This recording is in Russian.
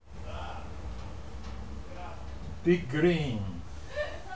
big green